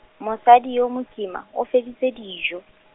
mosadi yo mokima, o feditse dijo.